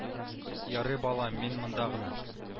Ярый балам мин монда гына